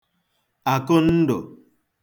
àkụndụ̀